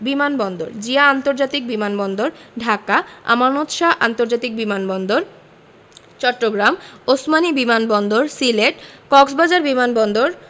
বিমান বন্দরঃ জিয়া আন্তর্জাতিক বিমান বন্দর ঢাকা আমানত শাহ্ আন্তর্জাতিক বিমান বন্দর চট্টগ্রাম ওসমানী বিমান বন্দর সিলেট কক্সবাজার বিমান বন্দর